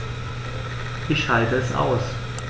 Ich schalte es aus.